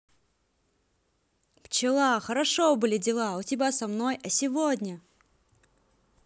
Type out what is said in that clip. пчела хорошо были дела у тебя со мной а сегодня